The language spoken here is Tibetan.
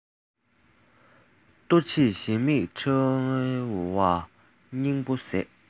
ལྟོ ཕྱིར གཞན མིག ཁྲེལ བ སྙིང པོ ཟད